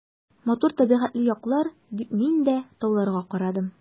Матур табигатьле яклар, — дип мин дә тауларга карадым.